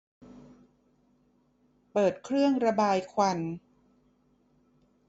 เปิดเครื่องระบายควัน